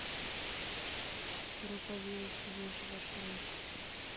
группа вирус где же ваши ручки